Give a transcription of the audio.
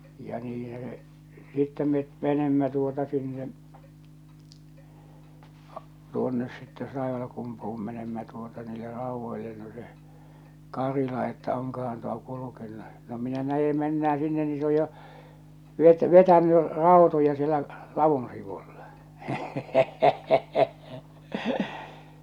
ja niinhän se sitten me menimme tuota sinne tuonne sitten Taivalkumpuun menimme tuota niille raudoille no se Karila että onkohan tuo kulkenut no minä näen mennään sinne niin se on jo - vetänyt rautoja siellä ladun sivulle